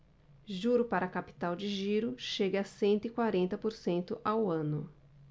juro para capital de giro chega a cento e quarenta por cento ao ano